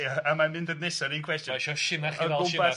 Ia a mae'n mynd at nesa'r un cwestiwn